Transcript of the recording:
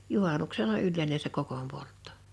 juhannuksena yleinen se kokon poltto